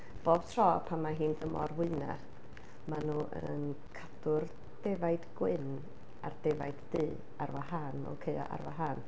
Bob tro pan ma' hi'n dymor wyna, maen nhw yn cadw'r defaid gwyn a'r defaid du ar wahân, mewn caeau ar wahân.